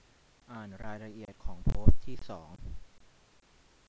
อ่านรายละเอียดของโพสต์ที่สอง